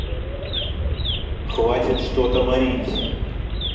хватит что то морить